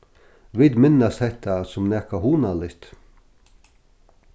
vit minnast hetta sum nakað hugnaligt